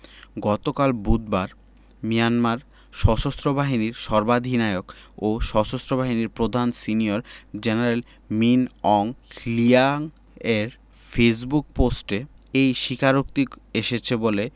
গতকাল বুধবার মিয়ানমার সশস্ত্র বাহিনীর সর্বাধিনায়ক ও সশস্ত্র বাহিনীর প্রধান সিনিয়র জেনারেল মিন অং হ্লিয়াংয়ের ফেসবুক পোস্টে এই স্বীকারোক্তি এসেছে বলে